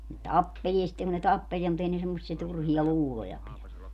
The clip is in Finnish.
ne tappelee sitten kun ne tappelee mutta ei ne semmoisia turhia luuloja pidä